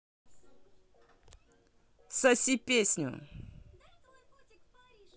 соси песню